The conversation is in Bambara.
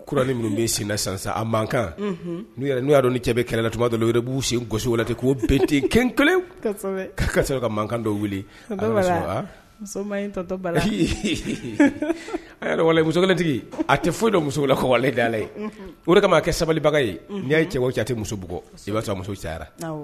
N' ni cɛ bɛ kɛlɛla tuba b'u se gosi ten ko kelen ka muso kelentigi a tɛ foyi don musola dala ye o kama kɛ sabalibaga ye n'i ye cɛ cɛ tɛ musoug i b'a sɔrɔ muso cayara